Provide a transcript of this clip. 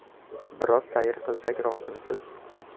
biroz sayr qilsak rozimisiz